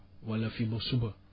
wala fii ba suba